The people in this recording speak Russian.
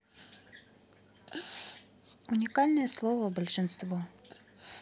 уникальное слово большинство